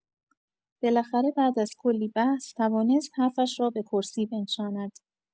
بالاخره بعد از کلی بحث، توانست حرفش را به کرسی بنشاند.